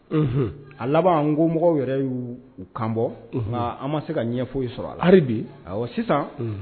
Unhun; a laban Nkomɔgɔw yɛrɛ y'u kanbɔ; unhun; nka an ma se ka ɲɛ foyi sɔrɔ a la; hali bi; awɔ, sisan